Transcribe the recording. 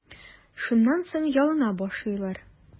Шуннан соң ялына башлыйлар.